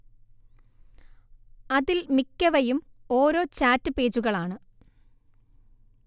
അതിൽ മിക്കവയും ഓരോ ചാറ്റ് പേജുകളാണ്